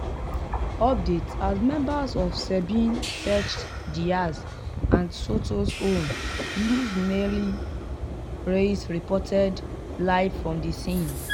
[Update] As members of SEBIN searched Diaz's and Soto's home, Luz Mely Reyes reported live from the scene.